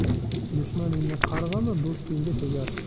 dushmaningni qarg'ama do'stingga tegar